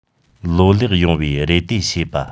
ལོ ལེགས ཡོང བའི རེ ལྟོས བྱེད པ